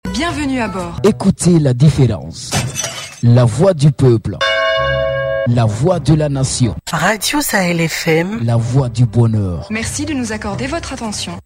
Bienvenue à bord, ecoutez la difference, la voix du peuple, la voiv de la nation , radio Sahel FM, la voix du bonheur, merci de nous accordé votre attention